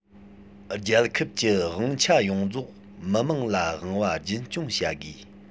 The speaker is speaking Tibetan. རྒྱལ ཁབ ཀྱི དབང ཆ ཡོངས རྫོགས མི དམངས ལ དབང བ རྒྱུན འཁྱོངས བྱ དགོས